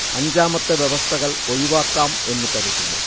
അഞ്ചാമത്തെ വ്യവസ്ഥകൾ ഒഴിവാക്കാം എന്നു കരുതുന്നു